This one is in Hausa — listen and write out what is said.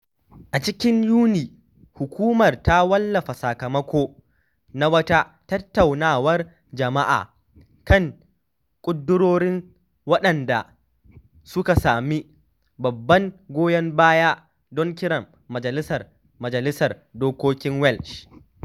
A cikin Yuni, Hukumar ta wallafa sakamako na wata tattaunawar jama’a a kan ƙudurorin waɗanda suka sami babban goyon baya don kiran majalisar Majalisar Dokokin Welsh.